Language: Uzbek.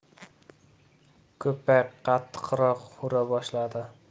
ko'ppak qattiqroq hura boshladi